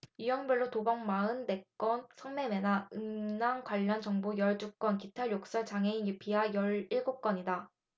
유형별로 도박 마흔 네 건 성매매나 음란 관련 정보 열 두 건 기타 욕설이나 장애인 비하 열 일곱 건이다